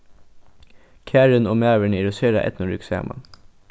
karin og maðurin eru sera eydnurík saman